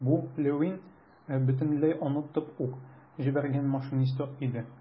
Бу - Левин бөтенләй онытып ук җибәргән машинист иде.